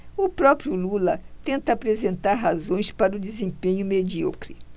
o próprio lula tenta apresentar razões para o desempenho medíocre